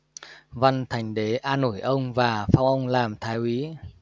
văn thành đế an ủi ông và phong ông làm thái úy